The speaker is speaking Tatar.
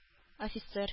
Офицер